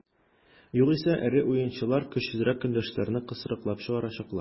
Югыйсә эре уенчылар көчсезрәк көндәшләрне кысрыклап чыгарачаклар.